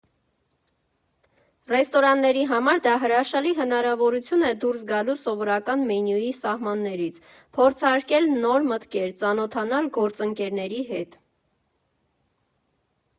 Ռեստորանների համար դա հրաշալի հնարավորություն է դուրս գալու սովորական մենյուի սահմաններից, փորձարկել նոր մտքեր, ծանոթանալ գործընկերների հետ։